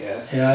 Ia ia.